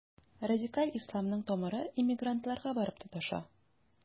Радикаль исламның тамыры иммигрантларга барып тоташа.